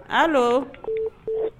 Hali